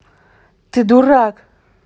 ты дурак